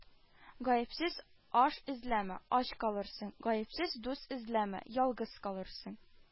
Гаепсез аш эзләмә ач калырсың, гаепсез дус эзләмә ялгыз калырсың